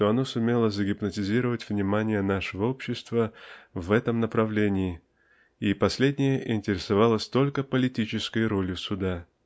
что оно сумело загипнотизировать внимание нашего общества в этом направлении и последнее интересовалось только политической ролью суда.